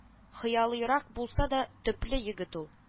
Хыялыйрак булса да, төпле егет ул